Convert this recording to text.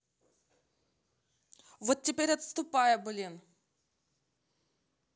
вот теперь отступая блин